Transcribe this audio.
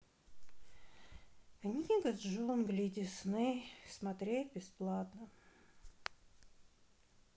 книга джунглей дисней смотреть бесплатно